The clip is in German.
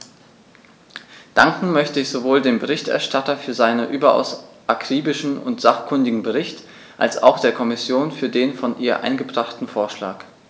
Danken möchte ich sowohl dem Berichterstatter für seinen überaus akribischen und sachkundigen Bericht als auch der Kommission für den von ihr eingebrachten Vorschlag.